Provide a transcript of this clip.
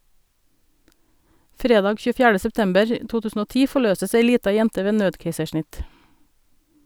Fredag 24. september 2010 forløses ei lita jente ved nødkeisersnitt.